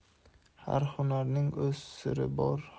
har hunarning o'z siri bor